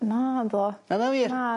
Naddo. Naddo wir? Na...